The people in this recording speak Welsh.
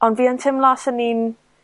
ond fi yn teimlo os o'n i'n